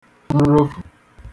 nrofù